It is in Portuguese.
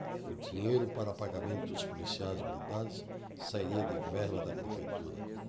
o dinheiro para pagamento dos policiais militares sairia de verba da prefeitura